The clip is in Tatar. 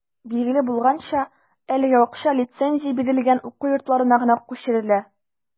Билгеле булганча, әлеге акча лицензия бирелгән уку йортларына гына күчерелә.